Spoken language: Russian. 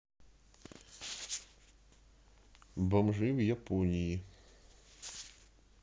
бомжи в японии